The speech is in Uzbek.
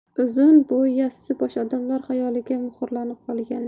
uzun bo'y yassi bosh odamlar xayoliga muhrlanib qolganday